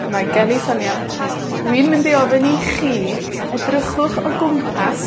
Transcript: Mae gen i syniad. Dwi'n mynd i ofyn i chi, edrychwch o gwmpas